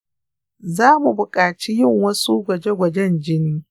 za mu buƙaci yin wasu gwaje-gwajen jini.